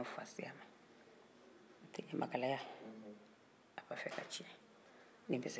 n'otɛ ɲamakalaya a b'a fe ka tiɲɛ ni kuma diyara n da n fɔ k'a tiɲɛna yɛrɛ